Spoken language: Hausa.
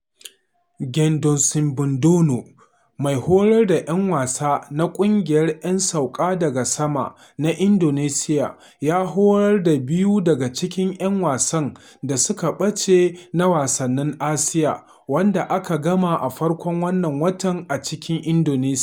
Gendon Subandono, mai horar da ‘yan wasa na ƙungiyar ‘yan sauka daga sama na Indonesiya, ya horar da biyu daga cikin ‘yan wasan da suka bace na Wasannin Asiya, wanda aka gama a farkon wannan watan a cikin Indonesiya.